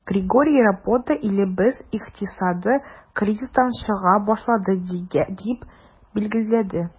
Григорий Рапота, илебез икътисады кризистан чыга башлады, дип билгеләде.